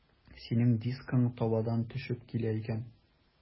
Синең дискың табадан төшеп килә икән.